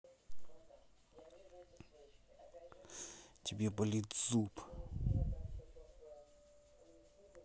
тебе болит зуб